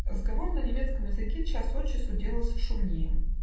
разговор на немецком языке час от часу делался шумнее.